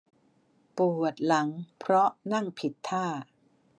ปวดหลังเพราะนั่งผิดท่า